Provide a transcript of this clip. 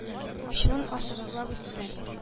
Ачуын ассызыклап үтте.